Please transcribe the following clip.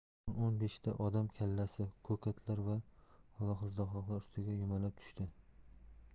o'n o'n beshta odam kallasi ko'katlar va lolaqizg'aldoqlar ustiga yumalab tushdi